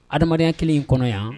Adamaruyaya kelen y'i kɔnɔ yan